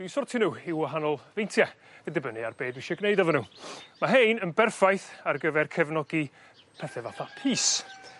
dwi'n sortio n'w i'w wahanol feintie yn dibynnu ar be' dwi isie gneud efo n'w ma' 'hein yn berffaith ar gyfer cefnogi pethe fatha pys.